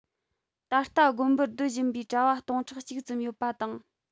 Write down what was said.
ད ལྟ དགོན པར སྡོད བཞིན པའི གྲྭ བ སྟོང ཕྲག གཅིག ཙམ ཡོད པ དང